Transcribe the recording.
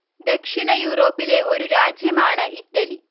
ദക്ഷിണ യൂറോപ്പിലെ ഒരു രാജ്യമാണ് ഇറ്റലി